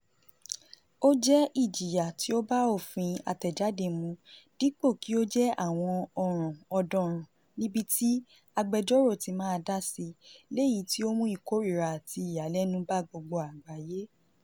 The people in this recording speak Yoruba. Ó jẹ́ ìjìyà tí ó bá òfin àtẹ̀jáde mu dipo kí ó jẹ́ àwọn ọ̀ràn ọ̀daràn níbití agbẹjọ́rò tí máa dási, lèyí tí ó mú ìkórìíra àti ìyàlẹ́nu bá gbogbo àgbáyé.